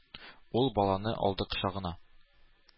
Ул баланы алды кочагына,